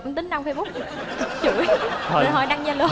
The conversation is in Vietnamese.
em tính đăng phây búc chửi rồi hôi đăng gia lô